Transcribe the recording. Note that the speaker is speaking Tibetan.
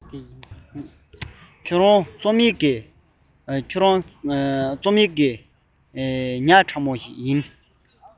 ཁྱོད རང རྩོམ རིག གི ཁྱོད རང རྩོམ རིག གི ཐག ཟམ ཕྲ མོ དེ ཡིན